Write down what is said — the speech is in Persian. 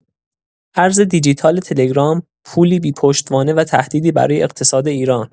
ارز دیجیتال تلگرام، پولی بی‌پشتوانه و تهدیدی برای اقتصاد ایران